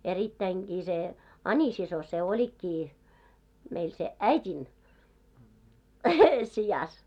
erittäinkin se Ani-sisko se olikin meillä sen äidin sijassa